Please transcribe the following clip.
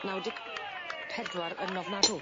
Naw deg pedwar yn ofnadw.